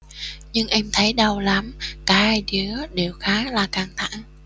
nhưng em thấy đau lắm cả hai đứa đều khá là căng thẳng